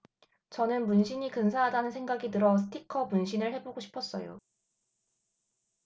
저는 문신이 근사하다는 생각이 들어 스티커 문신을 해 보고 싶었어요